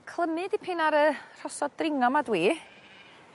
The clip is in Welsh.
Clymu dipyn ar y rhosod dringo 'ma dw i.